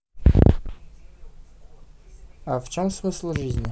а в чем смысл жизни